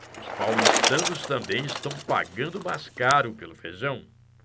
os paulistanos também estão pagando mais caro pelo feijão